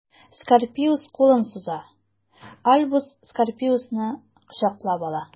Скорпиус кулын суза, Альбус Скорпиусны кочаклап ала.